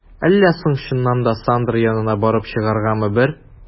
Әллә соң чыннан да, Сандра янына барып чыгаргамы бер?